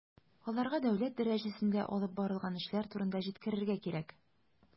Аларга дәүләт дәрәҗәсендә алып барылган эшләр турында җиткерергә кирәк.